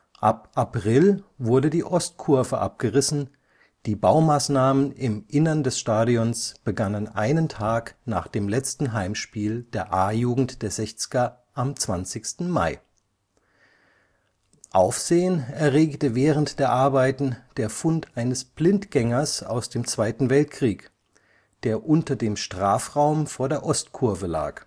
Ab April wurde die Ostkurve abgerissen, die Baumaßnahmen im Innern des Stadions begannen einen Tag nach dem letzten Heimspiel der A-Jugend der Sechzger am 20. Mai. Aufsehen erregte während der Arbeiten der Fund eines Blindgängers aus dem Zweiten Weltkrieg, der unter dem Strafraum vor der Ostkurve lag